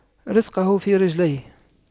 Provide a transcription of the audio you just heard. رِزْقُه في رجليه